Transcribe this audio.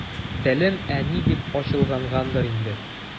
Телем «әни» дип ачылгангадыр инде.